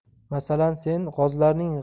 masalan sen g'ozlarning